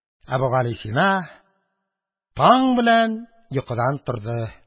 Әбүгалисина таң белән йокыдан торды.